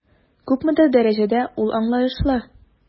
Күпмедер дәрәҗәдә ул аңлаешлы.